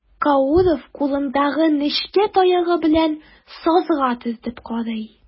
Кауров кулындагы нечкә таягы белән сазга төртеп карый.